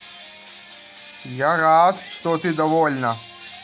я рад что ты довольна